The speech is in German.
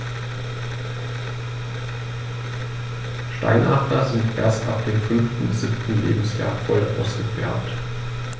Steinadler sind erst ab dem 5. bis 7. Lebensjahr voll ausgefärbt.